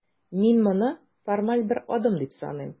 Мин моны формаль бер адым дип саныйм.